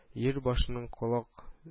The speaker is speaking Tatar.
Өер башының калак